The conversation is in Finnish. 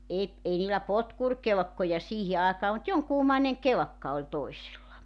- ei niillä potkurikelkkoja siihen aikaan mutta jonkunmoinen kelkka oli toisilla